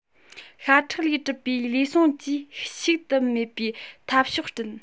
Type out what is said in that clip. ཤ ཁྲག ལས གྲུབ པའི ལུས ཟུངས ཀྱིས ཞིག ཏུ མེད པའི འཐབ ཕྱོགས བསྐྲུན